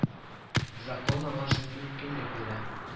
Закон аңа шундый мөмкинлек бирә